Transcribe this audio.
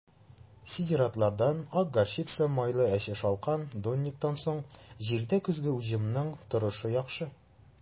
Сидератлардан (ак горчица, майлы әче шалкан, донник) соң булган җирдә көзге уҗымның торышы яхшы.